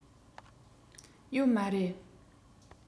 ཡོད མ རེད